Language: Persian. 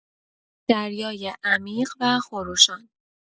دریای عمیق و خروشان